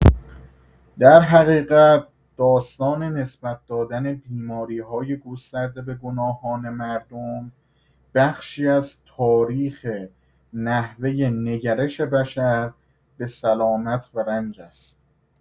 در حقیقت، داستان نسبت‌دادن بیماری‌های گسترده به گناهان مردم، بخشی از تاریخ نحوه نگرش بشر به سلامت و رنج است.